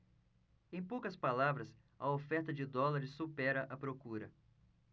em poucas palavras a oferta de dólares supera a procura